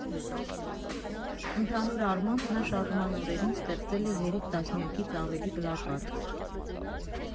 Ընդհանուր առմամբ նա շարժման օրերին ստեղծել է երեք տասնյակից ավելի պլակատ։